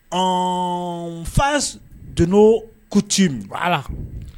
Ɔ fa dunun kuti a la